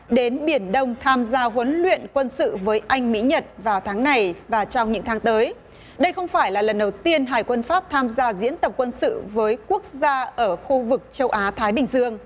đến biển đông tham gia huấn luyện quân sự với anh mỹ nhật vào tháng này và trong những tháng tới đây không phải là lần đầu tiên hải quân pháp tham gia diễn tập quân sự với quốc gia ở khu vực châu á thái bình dương